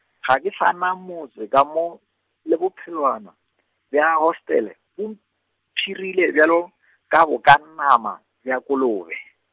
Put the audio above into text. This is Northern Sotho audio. ga ke sa na motse ka mo, le bophelwana , bja hostele bo mpshirile bjalo, ka bo ka nama bja kolobe.